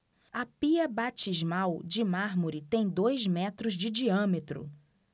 a pia batismal de mármore tem dois metros de diâmetro